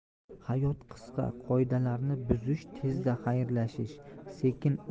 hayot qisqa qoidalarni buzish tezda xayrlashish sekin